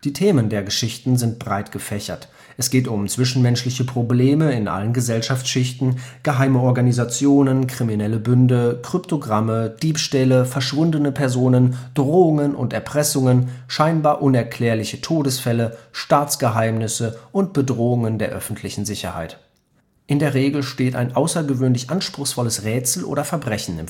Themen der Geschichten sind breit gefächert. Es geht um zwischenmenschliche Probleme in allen Gesellschaftsschichten, geheime Organisationen, kriminelle Bünde, Kryptogramme, Diebstähle, verschwundene Personen, Drohungen und Erpressungen, scheinbar unerklärliche Todesfälle, Staatsgeheimnisse und Bedrohungen der öffentlichen Sicherheit. In der Regel steht ein außergewöhnlich anspruchsvolles Rätsel oder Verbrechen